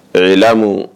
Ayiwa